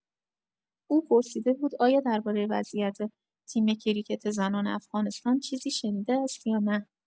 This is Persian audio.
او پرسیده بود آیا درباره وضعیت تیم کریکت زنان افغانستان چیزی شنیده است یا نه؟